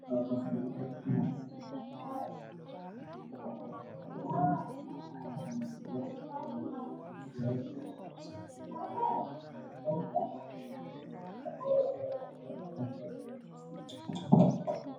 Meeshan waxaa fadhiyo oday wato shacbiga iyo koofi caddeys ah iswallow cadays ah waxaa uu qabaa oo ku yaalla madoobe